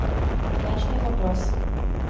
удачный вопрос